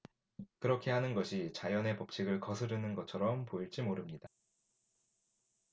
그렇게 하는 것이 자연의 법칙을 거스르는 것처럼 보일지 모릅니다